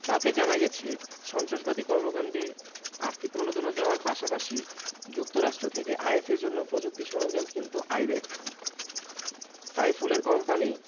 তাথে জানাগেছে সন্ত্রাসবাদি কর্মকান্ডে আর্থিক প্রণোদনা দেওয়ার পাশাপাশি যুক্তরাষ্ট্র থেকে আইএসের জন্য প্রযুক্তি সরঞ্জাম কিনত আইব্যাকস সাইফুলের কোম্পানি